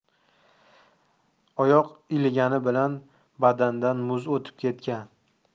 oyoq iligani bilan badandan muz o'tib ketgan